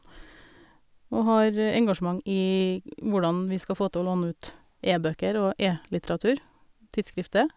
Og har engasjement i hvordan vi skal få til å låne ut e-bøker og e-litteratur, tidsskrifter.